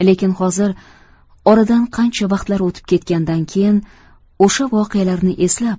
lekin hozir oradan qancha vaqtlar o'tib ketgandan keyin o'sha voqealarni eslab